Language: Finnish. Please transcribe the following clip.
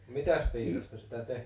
mitäs piirasta sitä tehtiin